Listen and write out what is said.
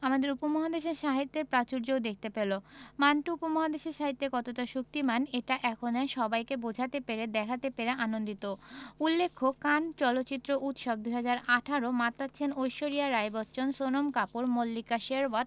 আমাদের উপমহাদেশের সাহিত্যের প্রাচুর্যও দেখতে পেল মান্টো উপমহাদেশের সাহিত্যে কতটা শক্তিমান এটা এখানে সবাইকে বোঝাতে পেরে দেখাতে পেরে আনন্দিত উল্লেখ্য কান চলচ্চিত্র উৎসব ২০১৮ মাতাচ্ছেন ঐশ্বরিয়া রাই বচ্চন সোনম কাপুর মল্লিকা শেরওয়াত